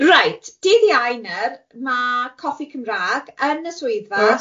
Right, dydd Iau nawr, ma' Coffi Cymrag yn y swyddfa.